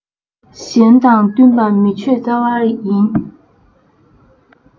གཞན དང བསྟུན པ མི ཆོས རྩ བ ཡིན